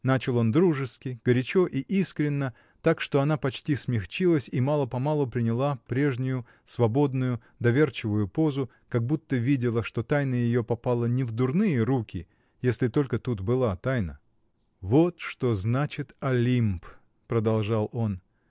— начал он дружески, горячо и искренно, так что она почти смягчилась и мало-помалу приняла прежнюю, свободную, доверчивую позу, как будто видела, что тайна ее попала не в дурные руки, если только тут была тайна. — Вот что значит Олимп! — продолжал он.